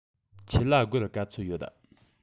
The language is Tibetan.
ཁྱེད ལ སྒོར ག ཚོད ཡོད